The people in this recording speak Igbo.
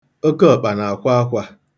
Okeọkpa na-akwa akwa.